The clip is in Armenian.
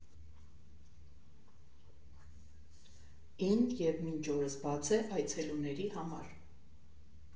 ֊ին և մինչ օրս բաց է այցելուների համար։